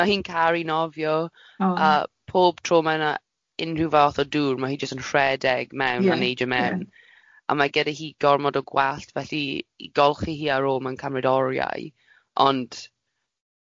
Ma' hi'n caru nofio o, a pob tro mae yna unrhyw fath o dŵr, mae hi jyst yn rhedeg mewn... Ie. ...a neidio mewn a mae gyda hi gormod o gwallt felly i golchi hi ar ôl mewn cymryd oriau, ond